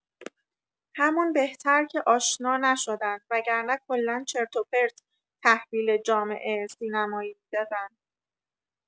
همون بهتر که آشنا نشدن… وگرنه کلا چرت و پرت تحویل جامعه سینمایی می‌دادن